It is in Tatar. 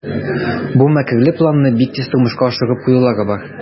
Бу мәкерле планны бик тиз тормышка ашырып куюлары бар.